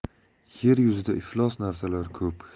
yer yuzida iflos narsalar ko'p